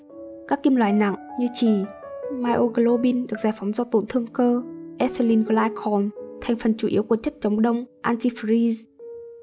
các kim loại nặng như chì hay myoglobin được giải phóng do tổn thương cơ ethylene glycol thành phần chủ yếu của chất chống đông